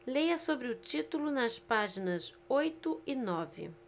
leia sobre o título nas páginas oito e nove